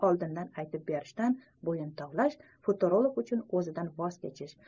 oldindan aytib berishdan bo'yin tovlash futurolog uchun o'zidan voz kechish